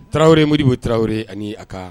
Tarawelewre mobu tarawelere ani a ka